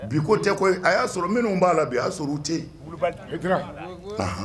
Bi ko tɛ ko a y'a sɔrɔ minnu b'a la bi i y'a sɔrɔ u tɛ yen